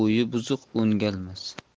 o'yi buzuq o'ngalmas